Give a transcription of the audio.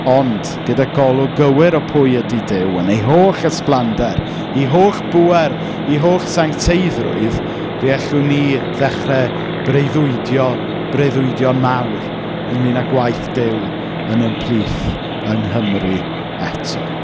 Ond gyda golwg gywir o pwy ydy Duw, yn ei holl ysblander, ei holl bŵer, ei holl sancteiddrwydd, fe allwn ni ddechrau breuddwydio breuddwydion mawr ynglyn â gwaith Duw yn ein plith yng Nghymru eto.